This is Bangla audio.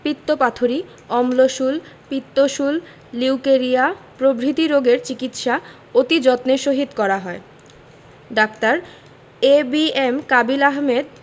পিত্তপাথড়ী অম্লশূল পিত্তশূল লিউকেরিয়া প্রভৃতি রোগের চিকিৎসা অতি যত্নের সহিত করা হয় ডাঃ A B M Kabil Ahmed